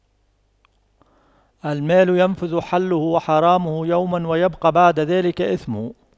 المال ينفد حله وحرامه يوماً ويبقى بعد ذلك إثمه